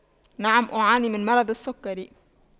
نعم أعاني من مرض السكري